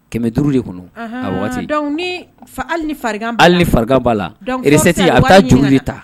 Kɛmɛ duuru de kɔnɔ waati ali ni fari b'a la reti a bɛ taa juru de ta